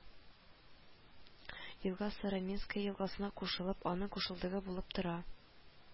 Елга Сороминская елгасына кушылып, аның кушылдыгы булып тора